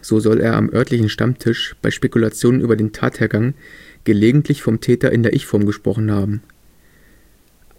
so soll er am örtlichen Stammtisch bei Spekulationen über den Tathergang gelegentlich vom Täter in der Ich-Form gesprochen haben)